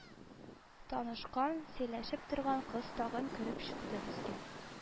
Танышкан, сөйләшеп торган кыз тагын кереп чыкты безгә